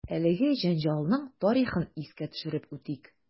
Әлеге җәнҗалның тарихын искә төшереп үтик.